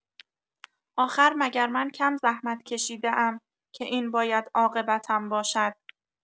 آخر مگر من کم زحمت‌کشیده ام که این باید عاقبتم باشد؟